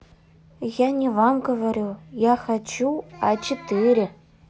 я не вам говорю я хочу а четыре